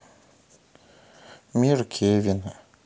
мир кевина